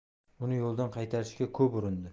uni yo'ldan qaytarishga ko'p urindi